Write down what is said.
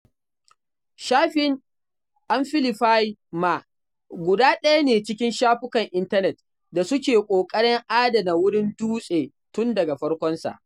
Shafin 'Amplify ma' guda daya ne cikin shafukan intanet da suke ƙoƙarin adana wurin dutse tun daga farkonsa.